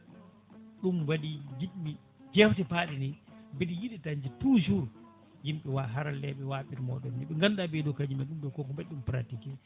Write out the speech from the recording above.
ɗum waɗi jinmi jewte mbaɗe ni mbeɗe yiiɗi dañe toujours yimɓe waaɓe haralleɓe waɓe no moɗon ni ɓe ganduɗa ɓeeɗo kañumen ɗum ɗo koko mbaɗi ɗum pratiqué